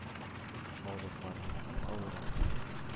Авырлыкларның иң авырын,